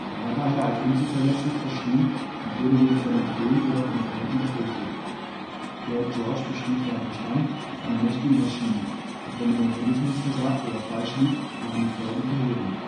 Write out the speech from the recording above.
war daher als unzuverlässig verschrien und wurde wegen seiner Ideen sogar von Freunden gefürchtet. Lloyd George beschrieb seinen Verstand als eine " mächtige Maschine, doch (...) wenn der Mechanismus versagte oder falsch lief, waren die Folgen verheerend